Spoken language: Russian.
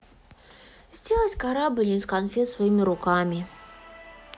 сделать корабль из конфет своими руками